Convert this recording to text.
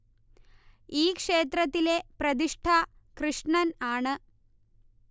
ഈ ക്ഷേത്രത്തിലെ പ്രതിഷ്ഠ കൃഷ്ണൻ ആണ്